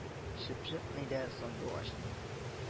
Чыпчык ни дә, сандугач ни